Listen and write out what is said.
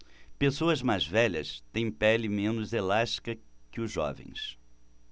pessoas mais velhas têm pele menos elástica que os jovens